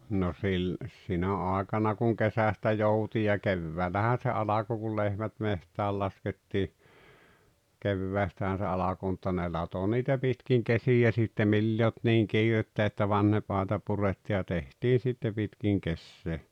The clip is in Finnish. no - sinä aikana kun kesästä jouti ja keväällähän se alkoi kun lehmät metsään laskettiin keväästähän se alkoi mutta ne latoi niitä pitkin kesiä sitten millä ei ollut niin kiirettä että vanha aita purettiin ja tehtiin sitten pitkin kesää